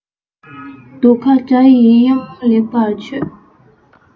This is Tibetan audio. སྡུག ཁ དགྲ ཡི གཡབ མོ ལེགས པར ཆོད